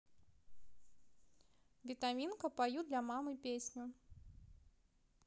витаминка пою для мамы песню